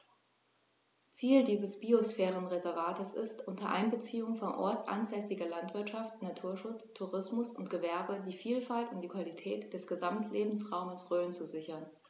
Ziel dieses Biosphärenreservates ist, unter Einbeziehung von ortsansässiger Landwirtschaft, Naturschutz, Tourismus und Gewerbe die Vielfalt und die Qualität des Gesamtlebensraumes Rhön zu sichern.